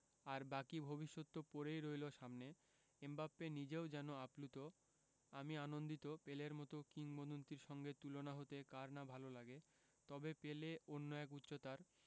আর বাকি ভবিষ্যৎ তো পড়েই রইল সামনে এমবাপ্পে নিজেও যেন আপ্লুত আমি আনন্দিত পেলের মতো কিংবদন্তির সঙ্গে তুলনা হতে কার না ভালো লাগে তবে পেলে অন্য এক উচ্চতার